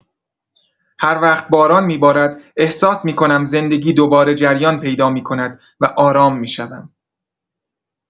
هر وقت باران می‌بارد احساس می‌کنم زندگی دوباره جریان پیدا می‌کند و آرام می‌شوم.